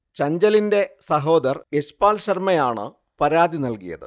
ചഞ്ചലിന്റെ സഹോദർ യശ്പാൽ ശർമ്മയാണ് പരാതി നൽകിയത്